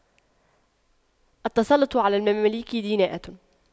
التسلُّطُ على المماليك دناءة